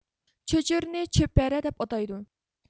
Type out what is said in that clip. چۆچۈرىنى چۆچپەرە دەپ ئاتايدۇ